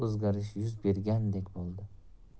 o'zgarish yuz bergandek bo'ldi